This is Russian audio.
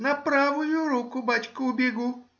— На правую руку, бачка, убегу.